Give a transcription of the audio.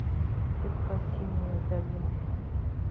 жк синяя долина